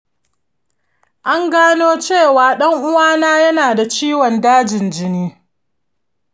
an gano cewa ɗan’uwana yana da ciwon dajin jini.